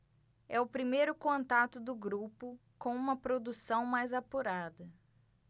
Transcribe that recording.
é o primeiro contato do grupo com uma produção mais apurada